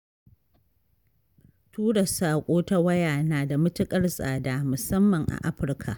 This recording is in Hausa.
Tura saƙo ta waya na da matuƙar tsada, musamman a Afirka.